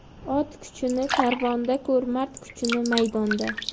ot kuchini karvonda ko'r mard kuchini maydonda